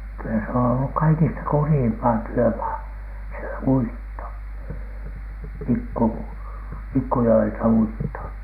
kyllä se on ollut kaikista kurjinta työmaa se uitto - pikkujoeltauitto